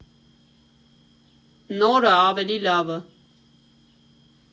Նորը, ավելի լավը։